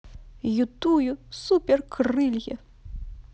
ютую суперкрылья